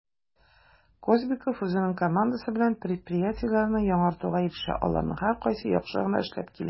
Козонков үзенең командасы белән предприятиеләрне яңартуга ирешә, аларның һәркайсы яхшы гына эшләп килә: